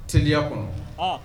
Teliya kɔnɔ